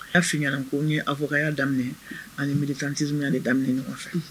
N y'a f'i ɲɛna ko n ye avocat ya daminɛ, an ye militantisme ya de daminɛ ɲɔgɔn fɛ, unhun